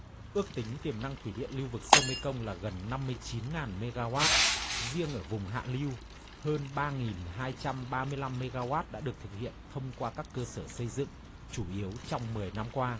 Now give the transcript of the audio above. ước tính tiềm năng thủy điện lưu vực sông mê công là gần năm mươi chín ngàn mê ga oát riêng ở vùng hạ lưu hơn ba nghìn hai trăm ba mươi lăm mê ga oát đã được thực hiện thông qua các cơ sở xây dựng chủ yếu trong mười năm qua